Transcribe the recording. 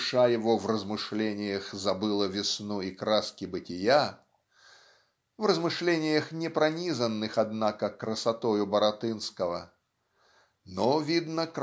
душа его "в размышлениях забыла весну и краски бытия" (в размышлениях не пронизанных однако красотою Баратынского) но видно